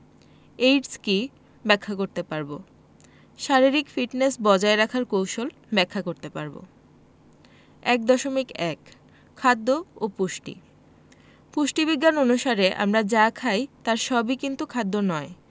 AIDS কী ব্যাখ্যা করতে পারব শারীরিক ফিটনেস বজায় রাখার কৌশল ব্যাখ্যা করতে পারব ১.১ খাদ্য ও পুষ্টি পুষ্টিবিজ্ঞান অনুসারে আমরা যা খাই তার সবই কিন্তু খাদ্য নয়